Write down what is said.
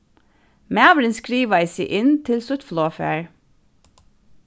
maðurin skrivaði seg inn til sítt flogfar